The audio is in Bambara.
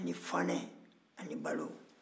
ani fanɛ ani balo